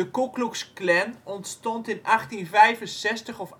Ku Klux Klan ontstond in 1865 of 1866